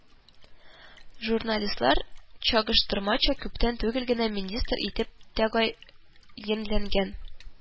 Журналистлар чагыштырмача күптән түгел генә министр итеп тәгаенләнгән